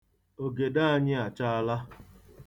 Ogede anyị achaala.